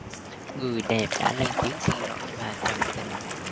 người đẹp đã lên tiếng xin lỗi và trần tình